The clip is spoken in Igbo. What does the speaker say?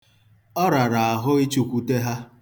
Ọ rara ahụ ichụkwute ha.